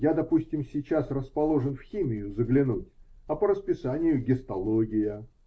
Я, допустим, сейчас расположен в химию заглянуть, а по расписанию гистология